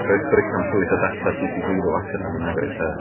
Does does na'm llwyth o data CC zero allan yna nag oes, a...